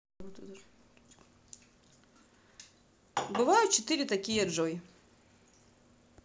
бывают четыре такие джой